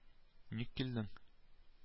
Ник килдең